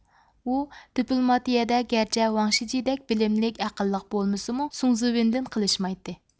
ئۇ دىپلوماتىيىدە گەرچە ۋاڭشىجيېدەك بىلىملىك ئەقىللىق بولمىسىمۇ سۇڭزىۋېندىن قېلىشمايتتى